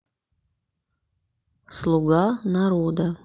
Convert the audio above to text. слуга народа